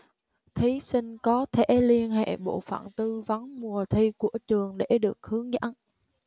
thí sinh có thể liên hệ bộ phận tư vấn mùa thi của trường để được hướng dẫn